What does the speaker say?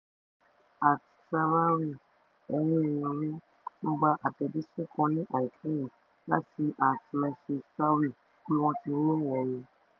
@3arabawy: Ẹ̀yin èèyàn mi, mo gba àtẹ̀jíṣẹ́ kan ní àìpẹ́ yìí láti @msheshtawy pé wọ́n ti mú òun.